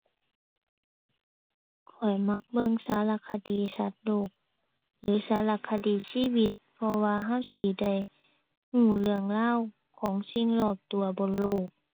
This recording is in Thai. ข้อยมักเบิ่งสารคดีสัตว์โลก หรือสารคดีชีวิต เพราะว่าเราสิได้เราเรื่องราวของสิ่งรอบตัวบนโลก